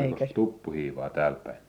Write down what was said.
olikos tuppuhiivaa täälläpäin